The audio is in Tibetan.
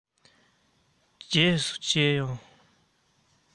རྗེས སུ མཇལ ཡོང